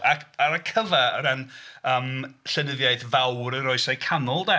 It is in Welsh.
Ac ar y cyfa o ran yym llenyddiaeth fawr yr oesau canol de.